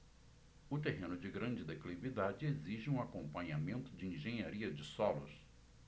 o terreno de grande declividade exige um acompanhamento de engenharia de solos